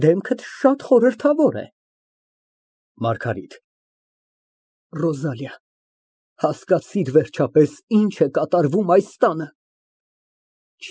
Դեմքդ շատ խորհրդավոր է։ ՄԱՐԳԱՐԻՏ ֊ Ռոզալիա, հասկացիր, վերջապես, ինչ է կատարվում այս տանը։